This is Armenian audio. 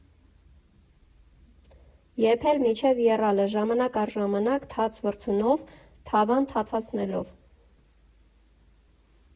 Եփել մինչև եռալը՝ ժամանակ առ ժամանակ թաց վրձնով թավան թացացնելով։